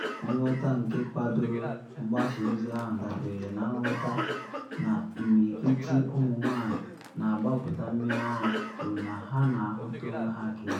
Nghọta nke kwadobere mgbasa ozi ahụ dabere na nghọta na imirikiti ụmụ nwanyị na agbapụta mmiri ara kwuru na ha na ahụta onwe ha ka ehi.